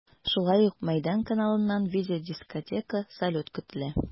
Шулай ук “Мәйдан” каналыннан видеодискотека, салют көтелә.